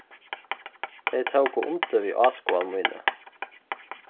tey tóku undir við áskoðan míni